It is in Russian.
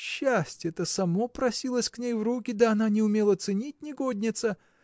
Счастье-то само просилось к ней в руки, да не умела ценить, негодница!